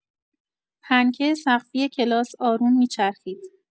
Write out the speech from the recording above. پنکه سقفی کلاس آروم می‌چرخید.